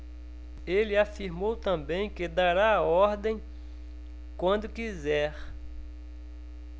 ele afirmou também que dará a ordem quando quiser